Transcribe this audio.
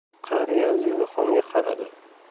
qariya zelixonga qaradi